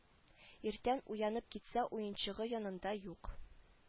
Иртән уянып китсә уенчыгы янында юк